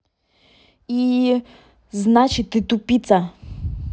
iii значит ты тупица